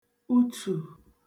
utù